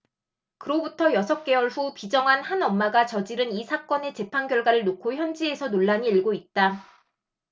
그로부터 여섯 개월 후 비정한 한 엄마가 저지른 이 사건의 재판 결과를 놓고 현지에서 논란이 일고있다